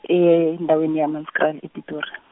endaweni ye- Hammanskraal, ePitori.